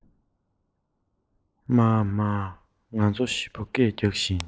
མཱ མཱ ང ཚོ བཞི པོ སྐད རྒྱག བཞིན